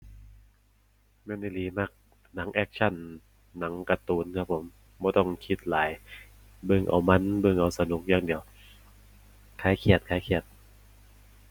แม่นอีหลี มักหนังแอกชัน หนังการ์ตูนครับผม บ่ต้องคิดหลาย เบิ่งเอามัน เบิ่งเอาสนุกอย่างเดียว คลายเครียดคลายเครียด